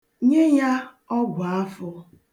Nye ya ọgwụafọ.